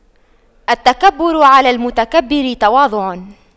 التكبر على المتكبر تواضع